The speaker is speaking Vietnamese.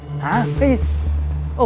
hả cái gì ủa